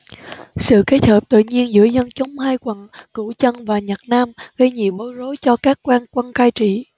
sự kết hợp tự nhiên giữa dân chúng hai quận cửu chân và nhật nam gây nhiều bối rối cho các quan quân cai trị